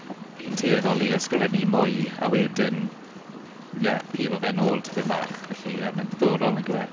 Fi'n tueddol i ysgrifennu mwy a wedyn, ie pilo fe'n ôl tipyn bach. Felly ie mae'n diddorol nagyw e.